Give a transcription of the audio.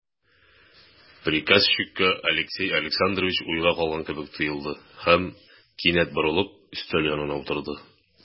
Приказчикка Алексей Александрович уйга калган кебек тоелды һәм, кинәт борылып, өстәл янына утырды.